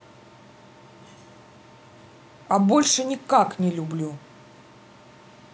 а больше никак не люблю